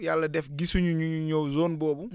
yàlla def gisuñu ñu ñëw yoon boobu